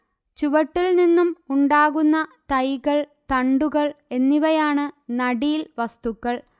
ചുവട്ടിൽ നിന്നും ഉണ്ടാകുന്ന തൈകൾ തണ്ടുകൾ എന്നിവയാണ് നടീൽവസ്തുക്കൾ